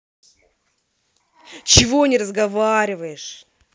чего не разговариваешь